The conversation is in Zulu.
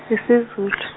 isiZul-.